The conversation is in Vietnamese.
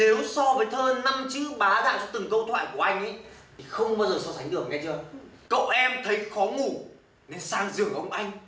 nếu so với thơ năm chữ bá đạo từng câu thoại của anh ấy thì không bao giờ so sánh được nghe chưa cậu em thấy khó ngủ nên sang giường ông anh